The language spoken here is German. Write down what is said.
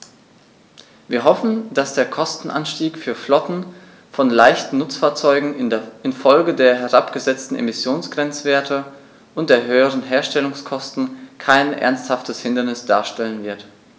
Wir hoffen, dass der Kostenanstieg für Flotten von leichten Nutzfahrzeugen in Folge der herabgesetzten Emissionsgrenzwerte und der höheren Herstellungskosten kein ernsthaftes Hindernis darstellen wird.